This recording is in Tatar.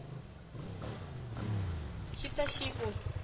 “хитачи” ул